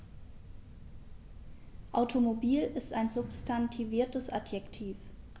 Automobil ist ein substantiviertes Adjektiv.